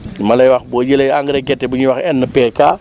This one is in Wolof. li ma lay wax boo jëlee engrais gerte bi ñuy wax NPK